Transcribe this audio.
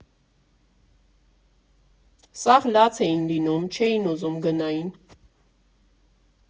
Սաղ լաց էին լինում, չէին ուզում գնային։